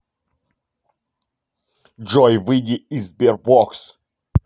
джой выйди из sberbox